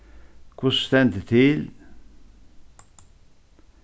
hvussu stendur til